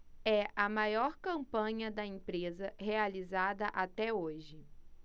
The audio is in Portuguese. é a maior campanha da empresa realizada até hoje